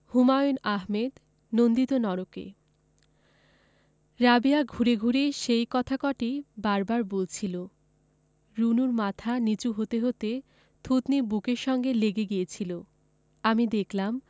হুমায়ুন আহমেদ নন্দিত নরকে রাবেয়া ঘুরে ঘুরে সেই কথা কটিই বার বার বলছিলো রুনুর মাথা নীচু হতে হতে থুতনি বুকের সঙ্গে লেগে গিয়েছিলো আমি দেখলাম